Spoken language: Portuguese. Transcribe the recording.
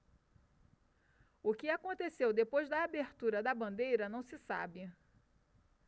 o que aconteceu depois da abertura da bandeira não se sabe